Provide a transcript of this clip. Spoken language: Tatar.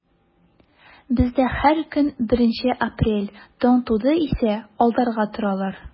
Бездә һәр көн беренче апрель, таң туды исә алдарга торалар.